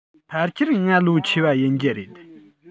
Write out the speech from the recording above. ཕལ ཆེར ང ལོ ཆེ བ ཡིན རྒྱུ རེད